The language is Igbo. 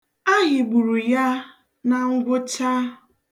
A hịgburu ya na ngwụcha.